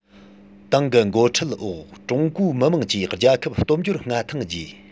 ཏང གི འགོ ཁྲིད འོག ཀྲུང གོའི མི དམངས ཀྱིས རྒྱལ ཁབ སྟོབས འབྱོར མངའ ཐང རྒྱས